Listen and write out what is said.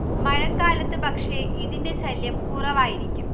മഴക്കാലത്ത് പക്ഷേ ഇതിന്റെ ശല്യം കുറവായിരിക്കും